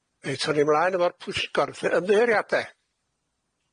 Reit awn ni ymlaen efo'r pwyllgor y- ymddiheuriade.